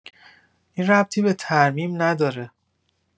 این ربطی به ترمیم نداره.